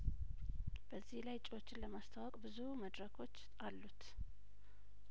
በዚህ ላይ እጩዎችን ለማስተዋወቅ ብዙ መድረኮች አሉት